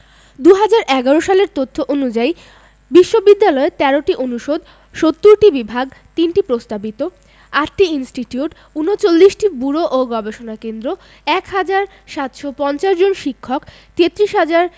২০১১ সালের তথ্য অনুযায়ী বিশ্ববিদ্যালয়ে ১৩টি অনুষদ ৭০টি বিভাগ ৩টি প্রস্তাবিত ৮টি ইনস্টিটিউট ৩৯টি ব্যুরো ও গবেষণা কেন্দ্র ১ হাজার ৭৫০ জন শিক্ষক ৩৩ হাজার